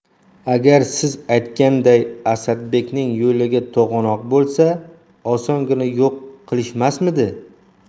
agar siz aytganday asadbekning yo'liga to'g'anoq bo'lsa osongina yo'q qilishmasmidi